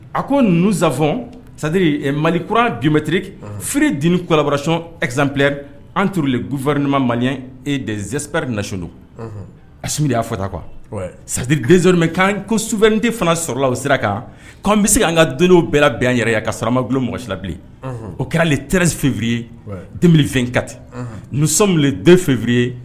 A ko ninnusaap sadiri mali kurauran gmetiriri fi di ni kulabararacon ezpre anur gufarininma mali ɲɛ e dezepri nas don a sunjatadu y'a fɔta qu sadiri denzmɛ' ko su2den fana sɔrɔ o sera kan k ko'an bɛ se an ka den bɛɛ bɛ yɛrɛ ka sarakaramabu mɔgɔsi bilen o kɛralenɛsi fffi ye den katisɔn den fffii ye